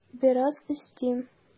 Бераз өстим.